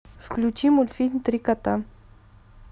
включи мультфильм три кота